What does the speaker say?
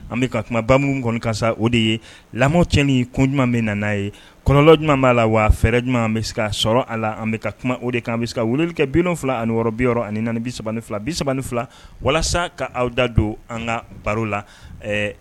An bɛ ka kumabamu kɔnɔ ka o de ye lamɔ ti ni kun ɲuman bɛ na n'a ye kɔnɔlɔ ɲumanuma b'a la wa fɛɛrɛ ɲuman bɛ se ka sɔrɔ a la an bɛ ka kuma o de kan an bɛ se ka wuli kɛ bin fila ani wɔɔrɔ bi yɔrɔ ani bi3 fila bi3 fila walasa' aw da don an ka baro la